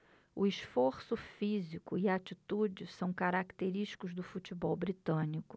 o esforço físico e a atitude são característicos do futebol britânico